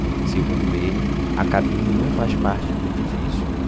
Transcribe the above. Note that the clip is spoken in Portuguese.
segundo ele a cabine não faz parte do edifício